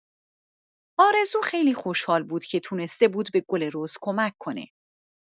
آرزو خیلی خوشحال بود که تونسته بود به گل رز کمک کنه.